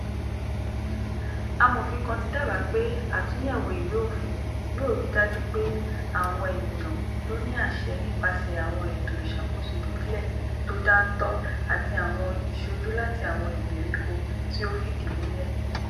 Amòfin kan ti dábàá pé àtúnyẹ̀wò ìwé òfin yóò ri dájú pé àwọn ènìyan ló ní àṣẹ nípasẹ̀ àwọn ètò ìṣakoso ìbílẹ̀ tó dáńtọ́ àti àwọn ìṣojú láti àwọn ìgberíko tí ó fìdí múlẹ̀.